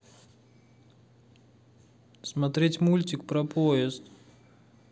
смотреть мультик про поезд